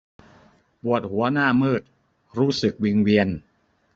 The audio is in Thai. ปวดหัวหน้ามืดรู้สึกวิงเวียน